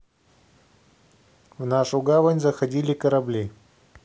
в нашу гавань заходили корабли